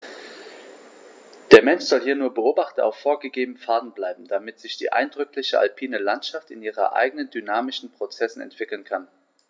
Der Mensch soll hier nur Beobachter auf vorgegebenen Pfaden bleiben, damit sich die eindrückliche alpine Landschaft in ihren eigenen dynamischen Prozessen entwickeln kann.